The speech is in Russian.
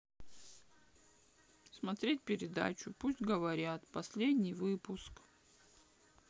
смотреть передачу пусть говорят последний выпуск